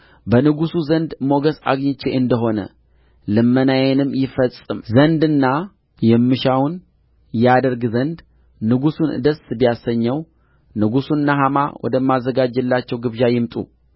በንጉሡ ዘንድ ሞገስ አግኝቼ እንደ ሆነ ልመናዬንም ይፈጽም ዘንድና የምሻውን ያደርግ ዘንድ ንጉሡ ደስ ቢያሰኘው ንጉሡና ሐማ ወደማዘጋጅላቸው ግብዣ ይምጡ